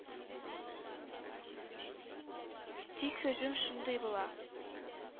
Тик “һөҗүм” шундый була